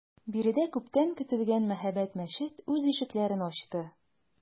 Биредә күптән көтелгән мәһабәт мәчет үз ишекләрен ачты.